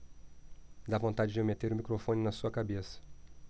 dá vontade de eu meter o microfone na sua cabeça